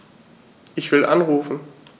Ich will anrufen.